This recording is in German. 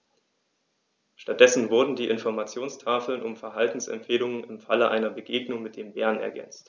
Stattdessen wurden die Informationstafeln um Verhaltensempfehlungen im Falle einer Begegnung mit dem Bären ergänzt.